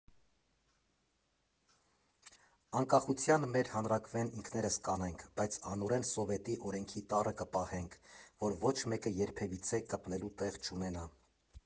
Անկախության մեր հանրաքվեն ինքներս կանենք, բայց անօրեն Սովետի օրենքի տառը կպահենք, որ ոչ մեկը երբևիցե կպնելու տեղ չունենա։